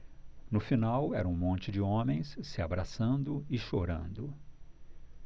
no final era um monte de homens se abraçando e chorando